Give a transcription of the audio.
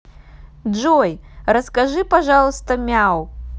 джой расскажи пожалуйста мяу